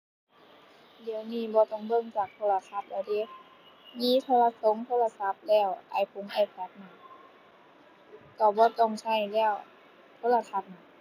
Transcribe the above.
เดี๋ยวนี้บ่ต้องเบิ่งจากโทรทัศน์แล้วเดะ มีโทรสงโทรศัพท์แล้ว ไอพง iPad นี่ก็บ่ต้องใช้แล้วโทรทัศน์นี่